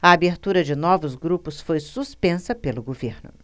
a abertura de novos grupos foi suspensa pelo governo